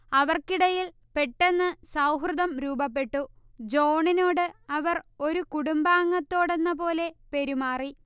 അവർക്കിടയിൽ പെട്ടെന്ന് സൗഹൃദം രൂപപ്പെട്ടു ജോൺണോട് അവർ ഒരു കുടുംബാംഗത്തോടെന്നപോലെ പെരുമാറി